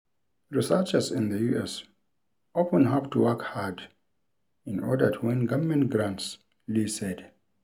Researchers in the U.S. often have to work hard in order to win government grants, Lee said.